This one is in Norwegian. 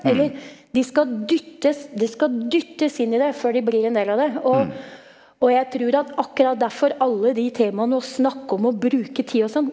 eller de skal dyttes det skal dyttes inn i det før de blir en del av det, og og jeg trur at akkurat derfor alle de temaene å snakke om å bruke tid og sånn.